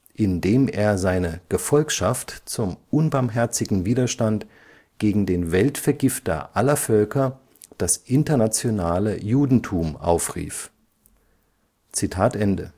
in dem er seine ‚ Gefolgschaft… zum unbarmherzigen Widerstand gegen den Weltvergifter aller Völker, das internationale Judentum ‘aufrief. “David